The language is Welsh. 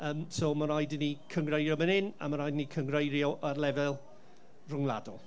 So, mae'n rhaid i ni cyngreirio fan hyn, a mae'n rhaid i ni cyngreirio ar lefel ryngwladol.